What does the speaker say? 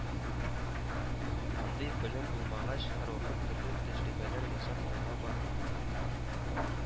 Андый белемем булмагач, һәрвакыт төрле тәҗрибәләр ясап алга бардым